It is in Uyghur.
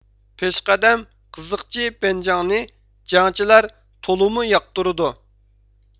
پېشقەدەم قىزىقچى بەنجاڭنى جەڭچىلەر تولىمۇ ياقتۇرىدۇ